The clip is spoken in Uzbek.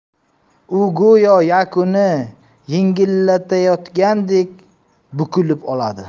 u go'yo yukini yengillatayotgandek bukilib oladi